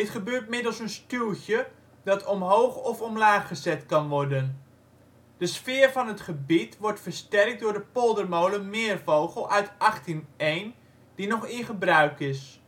gebeurt middels een stuwtje dat omhoog of omlaag gezet kan worden. De sfeer van het gebied wordt versterkt door de poldermolen Meervogel (1801) die nog in gebruik is